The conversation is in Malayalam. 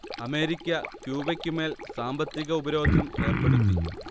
അമേരിക്ക ക്യൂബക്കുമേൽ സാമ്പത്തിക ഉപരോധം ഏർപ്പെടുത്തി